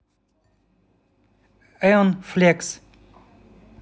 эон флекс